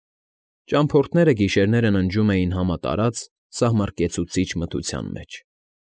Ճամփորդները գիշերները ննջում էին համատարած, սահմռկեցուցիչ մթության մեջ։